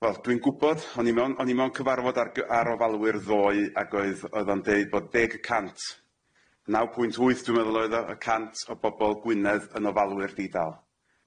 wel dwi'n gwbod o'n i mewn o'n i mewn cyfarfod ar gy- ar ofalwyr ddoe ag oedd o'dd o'n deud bod deg y cant naw pwynt wyth dwi'n meddwl oedd o y cant o bobol Gwynedd yn ofalwyr di-dal.